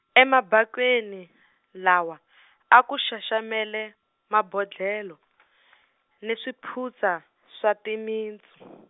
emabakweni, lawa , a ku xaxamele, mabodlela , ni swiputsa swa timintsu.